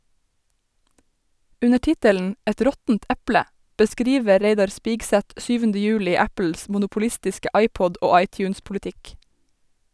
Under tittelen "Et råttent eple" beskriver Reidar Spigseth syvende juli Apples monopolistiske iPod- og iTunes-politikk.